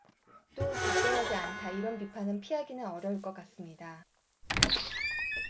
또 적절하지 않다 이런 비판은 피하기는 어려울 것 같습니다